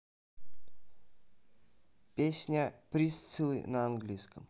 песня присциллы на английском